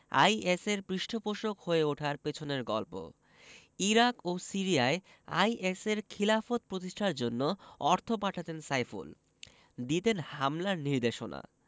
আইএসের পৃষ্ঠপোষক হয়ে ওঠার পেছনের গল্প ইরাক ও সিরিয়ায় আইএসের খিলাফত প্রতিষ্ঠার জন্য অর্থ পাঠাতেন সাইফুল দিতেন হামলার নির্দেশনা